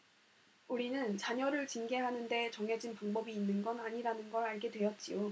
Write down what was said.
우리는 자녀를 징계하는 데 정해진 방법이 있는 건 아니라는 걸 알게 되었지요